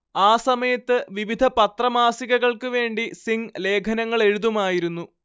ആ സമയത്ത് വിവിധ പത്രമാസികകൾക്ക്വേണ്ടി സിംഗ് ലേഖനങ്ങളെഴുതുമായിരുന്നു